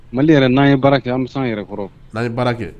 Mali yɛrɛ n'an ye baara kɛ anmisa yɛrɛ kɔrɔ' ye baara kɛ